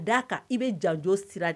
D'a kan i bɛ jajo sira de